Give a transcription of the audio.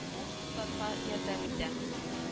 Ук тотарга ярдәм итә